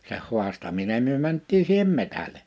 sen haastaminen me mentiin siihen metsälle